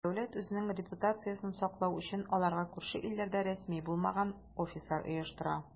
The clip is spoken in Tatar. Дәүләт, үзенең репутациясен саклау өчен, аларга күрше илләрдә рәсми булмаган "офислар" оештыра.